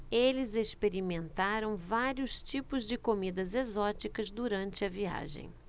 eles experimentaram vários tipos de comidas exóticas durante a viagem